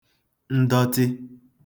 ndọtị